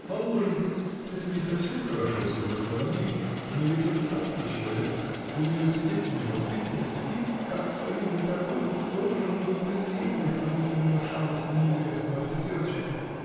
Положим, это не совсем хорошо с его стороны, но ведь он статский человек, в университете не воспитывался и, как солидный торговец, должен был презреть легкомысленную шалость неизвестного офицерчика.